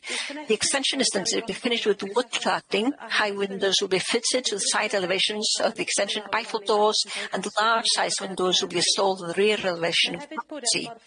The extension is intended to be finished with wood cladding, high windows will be fitted to the side elevations of the extension, bifold doors and large size windows will be installed at the rear elevation of the property.